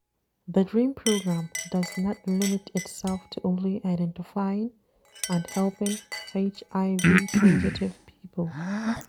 GV: The DREAM programme does not limit itself to only identifying and helping HIV-positive people.